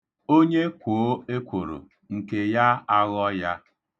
Onye kwoo ekworo, nke ya aghọ ya.